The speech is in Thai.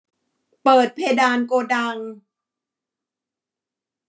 เปิดเพดานโกดัง